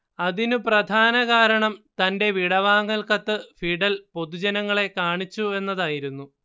അതിനു പ്രധാനകാരണം തന്റെ വിടവാങ്ങൽ കത്ത് ഫിഡൽ പൊതുജനങ്ങളെ കാണിച്ചു എന്നതായിരുന്നു